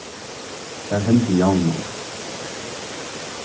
tað hendir javnan